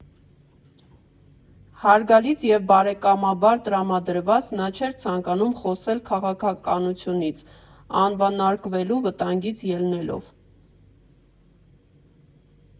Հարգալից և բարեկամաբար տրամադրված՝ նա չէր ցանկանում խոսել քաղաքականությունից՝ անվանարկվելու վտանգից ելնելով։